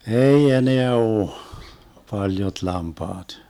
ei enää ole paljot lampaat